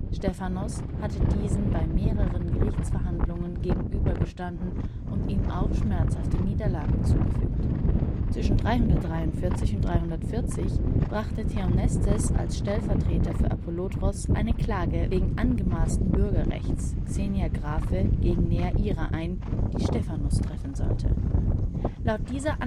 Stephanos hatte diesem bei mehreren Gerichtsverhandlungen gegenübergestanden und ihm auch schmerzhafte Niederlagen zugefügt. Zwischen 343 und 340 brachte Theomnestes als Stellvertreter für Apollodoros eine Klage wegen angemaßten Bürgerrechts (xenias graphe) gegen Neaira ein, die Stephanos treffen sollte. Laut dieser Anklage